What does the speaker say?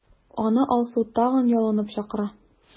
Аны Алсу тагын ялынып чакыра.